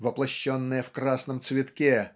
Воплощенное в красном цветке